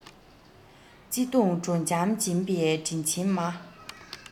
བརྩེ དུང དྲོད འཇམ སྦྱིན པའི དྲིན ཅན མ